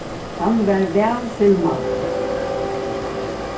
hann var væl filmaður